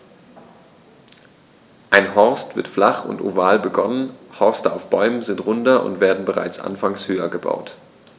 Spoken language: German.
Ein Horst wird flach und oval begonnen, Horste auf Bäumen sind runder und werden bereits anfangs höher gebaut.